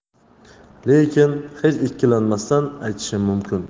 lekin hech ikkilanmasdan aytish mumkin